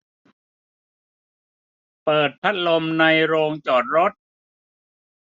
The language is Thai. เปิดพัดลมในโรงจอดรถ